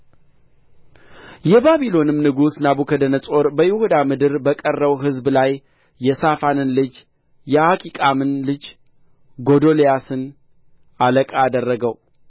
የባቢሎንም ንጉሥ ናቡከደነፆር በይሁዳ ምድር በቀረው ሕዝብ ላይ የሳፋንን ልጅ የአኪቃምን ልጅ ጎዶልያስን አለቃ አደረገው